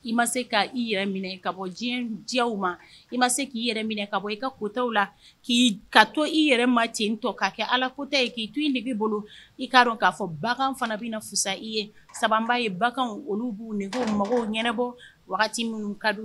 I ma ka yɛrɛ bɔ ma i ma se k'i yɛrɛ ka i ka kotaw la k' ka to i yɛrɛ ma cɛ tɔ k'a kɛ ala kota k'i to i de bolo i kaa dɔn k'a fɔ bagan fana bɛ na fisasa i ye sababa ye bagan olu b'u ko mɔgɔw ɲɛnaɛnɛbɔ wagati minnu ka